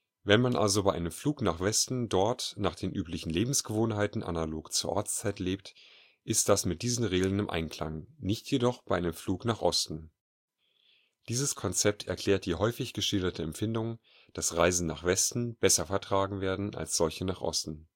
Wenn man also bei einem Flug nach Westen dort nach den üblichen Lebensgewohnheiten analog zur Ortszeit lebt, ist das mit diesen Regeln im Einklang, nicht jedoch bei einem Flug nach Osten. Dieses Konzept erklärt die häufig geschilderte Empfindung, dass Reisen nach Westen besser vertragen werden als solche nach Osten